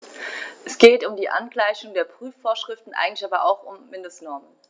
Es geht um die Angleichung der Prüfungsvorschriften, eigentlich aber auch um Mindestnormen.